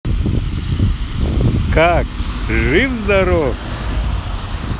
как жив здоров